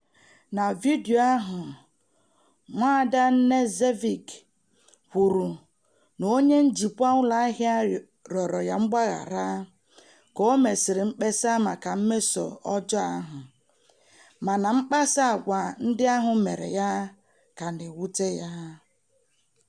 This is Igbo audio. Na vidiyo ahụ, Nwaada Knežević kwuru na onye njikwa ụlọ ahịa rịọrọ ya mgbaghara ka o mesịrị mkpesa maka mmeso ọjọọ ahụ, mana mkpasa àgwà ndị ahụ mere ya ka na-ewute ya.